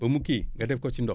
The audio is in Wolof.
ba mu kii nga def ko si ndox